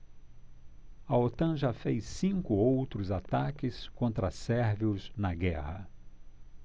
a otan já fez cinco outros ataques contra sérvios na guerra